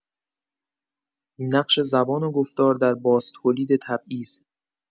نقش زبان و گفتار در بازتولید تبعیض